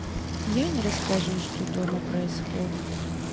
я не расскажу что дома происходит